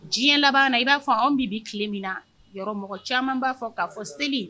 Diɲɛ laban i b'a fɔ anw bɛ bi tile min na yɔrɔ mɔgɔ caaman b'a fɔ ka fɔ seli.